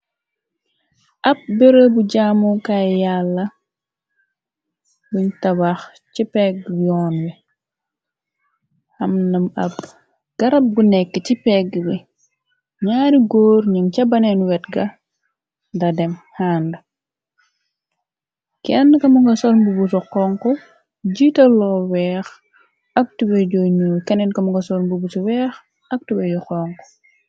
Ab berebu jaamukaay yalla buñ tabax ci pegg yoon wi amnam ab garab bu nekk ci pegg bi ñaari góor nug ca baneen wet ga da dem hande keneka muga sol mbusu xonko jiital loo weex ak tubaye ju nuul kenenke ka muga sol mbusu weex ak tubaye yu xonxo.